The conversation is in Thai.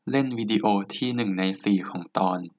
เล่นวีดิโอที่หนึ่งในสี่ของตอน